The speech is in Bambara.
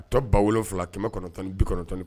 A tɔ bafila kɛmɛ kɔnɔn9 bi kɔnɔn9